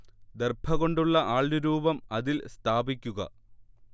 ദർഭ കൊണ്ടുള്ള ആൾരൂപം അതിൽ സ്ഥാപിയ്ക്കുക